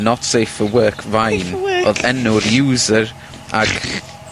not safe for work Vine... Safe for work. ...odd enw'r user ag